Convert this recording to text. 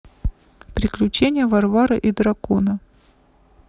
приключения варвары и дракона